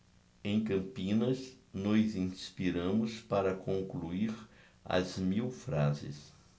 em campinas nos inspiramos para concluir as mil frases